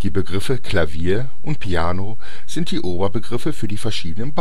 Begriffe „ Klavier “und „ Piano “sind die Oberbegriffe für die verschiedenen